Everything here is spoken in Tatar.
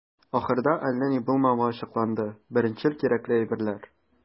Ахырда, әллә ни булмавы ачыкланды - беренчел кирәкле әйберләр.